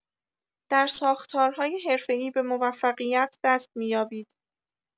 در ساختارهای حرفه‌ای به موفقیت دست می‌یابید.